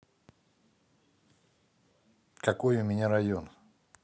какой у меня район